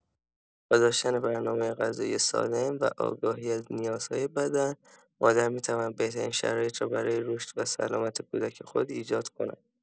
با داشتن برنامه غذایی سالم و آگاهی از نیازهای بدن، مادر می‌تواند بهترین شرایط را برای رشد و سلامت کودک خود ایجاد کند.